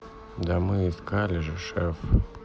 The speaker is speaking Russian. да мы искали же шеф